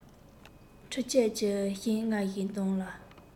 འཕྲུལ ཆས ཀྱིས ཞིང རྔ བཞིན གདོང ལ